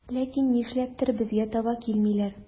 Ләкин нишләптер безгә таба килмиләр.